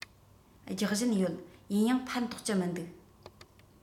རྒྱག བཞིན ཡོད ཡིན ཡང ཕན ཐོགས ཀྱི མི འདུག